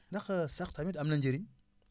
ndax sax tamit am na njëriñ